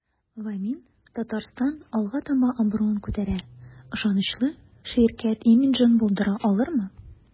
"вамин-татарстан” алга таба абруен күтәрә, ышанычлы ширкәт имиджын булдыра алырмы?